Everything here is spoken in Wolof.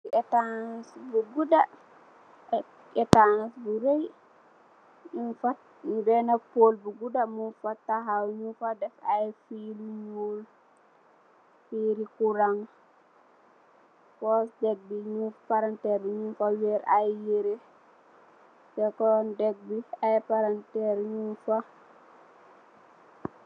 Etans bu gudda ak etans bu rëy.. muñg fa taxaw, ñung fa def ay fiil yu ñuul, fiil i,kuang. Foos dek bi, si palanteer bi ñung fa tek yiree. Sekkon dek bi, ay palanteer ñung fa.